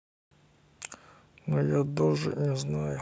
ну я даже не знаю